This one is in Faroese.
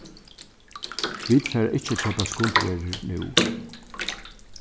vit fara ikki at keypa skundverðir nú